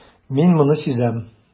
Мин моны сизәм.